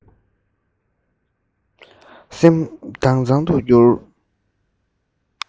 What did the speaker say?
སེམས དྭངས གཙང དུ གྱུར